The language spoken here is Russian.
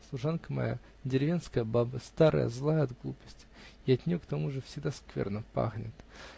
Служанка моя - деревенская баба, старая, злая от глупости, и от нее к тому же всегда скверно пахнет.